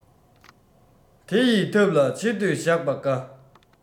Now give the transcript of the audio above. དེ ཡི ཐབས ལ ཆེ འདོད བཞག པ དགའ